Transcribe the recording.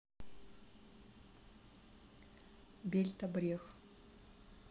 бельта брех